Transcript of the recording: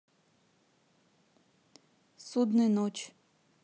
судный ночь